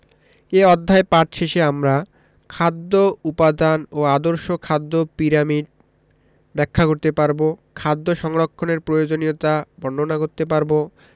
এ অধ্যায় পাঠ শেষে আমরা খাদ্য উপাদান ও আদর্শ খাদ্য পিরামিড ব্যাখ্যা করতে পারব খাদ্য সংরক্ষণের প্রয়োজনীয়তা বর্ণনা করতে পারব